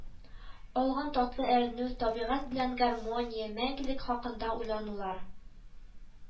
Алган татлы әрнү, табигать белән гармония, мәңгелек хакында уйланулар